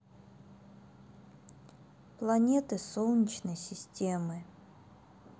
планеты солнечной системы